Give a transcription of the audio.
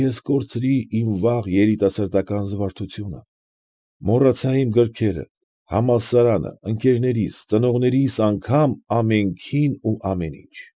Ես կորցրի իմ վաղ երիտասարդական զվարթությունը, մոռացա իմ գրքերը, համալսարանը, ընկերներիս, ծնողներիս անգամ, ամենքին ու ամեն ինչ։